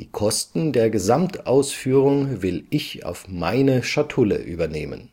Kosten der Gesamtausführung will Ich auf Meine Schatulle übernehmen